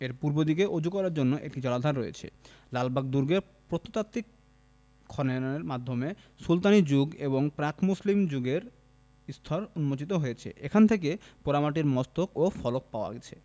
এর পূর্বদিকে ওজু করার জন্য একটি জলাধার রয়েছে লালবাগ দুর্গে প্রত্নতাত্ত্বিক খননের মাধ্যমে সুলতানি যুগ এবং প্রাক মুসলিম যুগের স্তর উন্মোচিত হয়েছে এখান থেকে পোড়ামাটির মস্তক ও ফলক পাওয়া গেছে